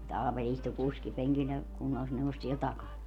mutta Aapeli istui kuskipenkillä ja kunnallisneuvos siellä takana